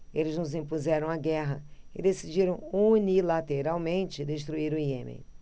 eles nos impuseram a guerra e decidiram unilateralmente destruir o iêmen